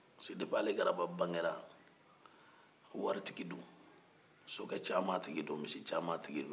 pasiki depi ale gariba bangera waritigi do sokɛcamantigi do misicamantigi do